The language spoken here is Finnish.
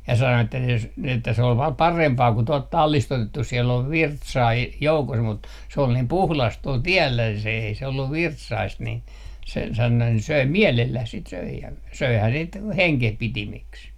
ja sanoi että jos niin että se oli vain parempaa kuin tuolta tallista otettu siellä on virtsaa - joukossa mutta se oli niin puhdasta tuolla tiellä se ei se ollut virtsaista niin se sanoi söi mielellään sitä söi ja söihän sitä hengenpitimiksi